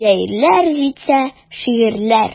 Җәйләр җитсә: шигырьләр.